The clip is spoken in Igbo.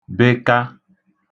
beka